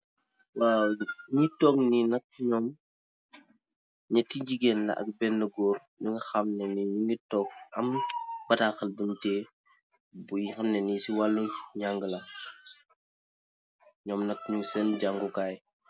ayyi ehleev yunj nehka dijanggal.